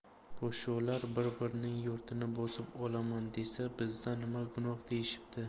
podsholar bir birining yurtini bosib olaman desa bizda nima gunoh deyishibdi